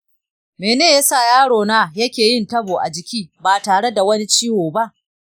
mene yasa yaro na yake yin tabo a jiki ba tare da wani ciwo ba?